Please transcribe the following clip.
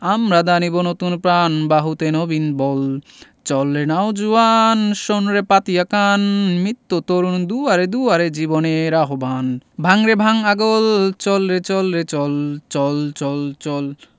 আমরা দানিব নতুন প্রাণ বাহুতে নবীন বল চল রে নওজোয়ান শোন রে পাতিয়া কান মিত্যু তরুণ দুয়ারে দুয়ারে জীবনের আহবান ভাঙ রে ভাঙ আগল চল রে চল রে চল চল চল চল